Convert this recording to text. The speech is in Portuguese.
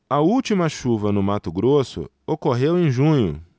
a última chuva no mato grosso ocorreu em junho